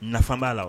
Nafa b'a la o.